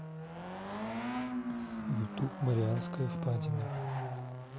ютуб марианская впадина